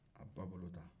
a ba bolo ta